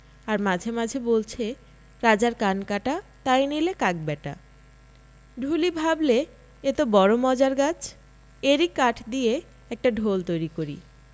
আর মাঝে মাঝে বলছে রাজার কান কাটা তাই নিলে কাক ব্যাটা ঢুলি ভাবলে এ তো বড়ো মজার গাছ এরই কাঠ দিয়ে একটা ঢোল তৈরি করি